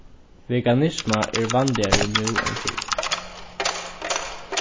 veganisma er vanligari nú enn fyrr